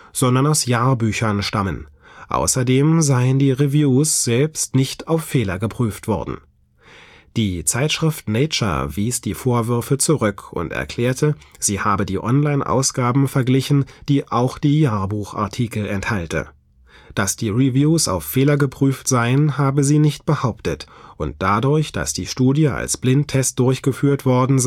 sondern aus Jahrbüchern stammten, außerdem seien die Reviews selbst nicht auf Fehler geprüft worden. Die Zeitschrift Nature wies die Vorwürfe zurück und erklärte, sie habe die Online-Ausgaben verglichen, die auch die Jahrbuchartikel enthalte. Dass die Reviews auf Fehler geprüft seien, habe sie nie behauptet; und dadurch, dass die Studie als Blindtest durchgeführt worden